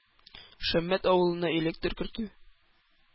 Шәммәт авылына электр кертү